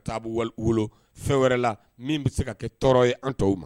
wolo fɛn wɛrɛ la min bɛ se ka kɛ tɔɔrɔ ye an tɔw ma